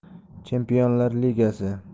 chempionlar ligasi